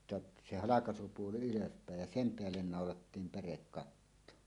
jotta se halkaisupuoli ylöspäin ja sen päälle naulattiin pärekatto